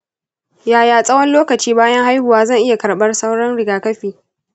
yaya tsawon lokaci bayan haihuwa zan iya karɓar sauran rigakafi?